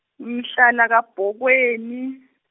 ngihlala Kabokweni.